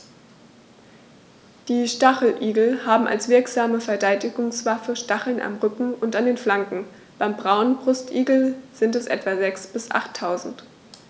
Die Stacheligel haben als wirksame Verteidigungswaffe Stacheln am Rücken und an den Flanken (beim Braunbrustigel sind es etwa sechs- bis achttausend).